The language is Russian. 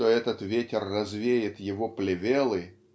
что этот ветер развеет его плевелы